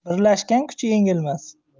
birlashgan kuch yengilmas